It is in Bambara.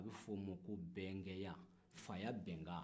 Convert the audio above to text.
a bɛ f'o ma ko bɛnkɛya faya bɛnkan